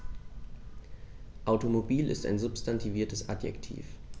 Automobil ist ein substantiviertes Adjektiv.